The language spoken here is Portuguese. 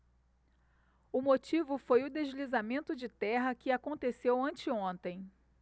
o motivo foi o deslizamento de terra que aconteceu anteontem